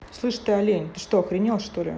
слышь ты олень ты что охренел что ли